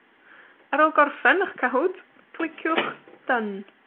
Ar ôl gorffen 'ych Cahoot, cliciwch Done.